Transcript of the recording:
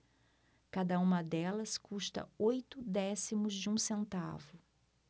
cada uma delas custa oito décimos de um centavo